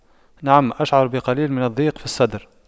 نعم أشعر بقليل من الضيق في الصدر